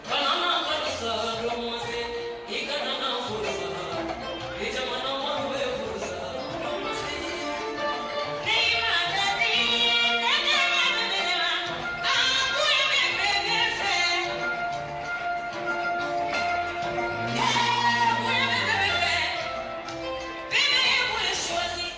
Faamama saba i kago ja wago miniyanbatigimini faama mɔ bɛ fɛ wa bɛgo sɔ